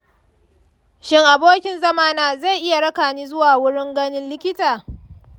shin abokin zamana zai iya raƙani zuwa wurin ganin likita?